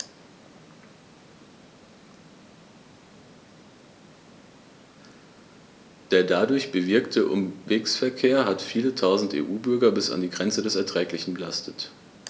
Der dadurch bewirkte Umwegsverkehr hat viele Tausend EU-Bürger bis an die Grenze des Erträglichen belastet.